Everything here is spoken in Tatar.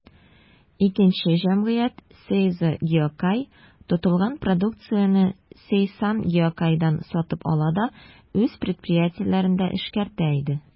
Икенче җәмгыять, «Сейзо Гиокай», тотылган продукцияне «Сейсан Гиокайдан» сатып ала да үз предприятиеләрендә эшкәртә иде.